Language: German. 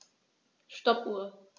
Stoppuhr.